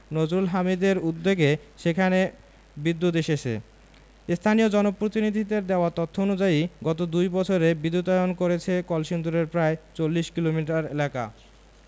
নসরুল হামিদদের উদ্যোগে সেখানে বিদ্যুৎ এসেছে স্থানীয় জনপ্রতিনিধিদের দেওয়া তথ্য অনুযায়ী গত দুই বছরে বিদ্যুতায়ন করেছে কলসিন্দুরের প্রায় ৪০ কিলোমিটার এলাকা